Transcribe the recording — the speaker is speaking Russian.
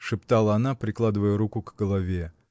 — шептала она, прикладывая руку к голове.